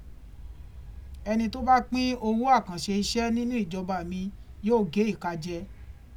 Ẹni tó bá pín owó àkánṣe iṣẹ́ nínú ìjọba mi yóò gé ìka jẹ